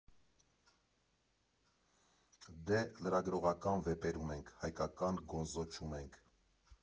Դե, լրագրողական վեպեր ունենք, հայկական գոնզո չունենք։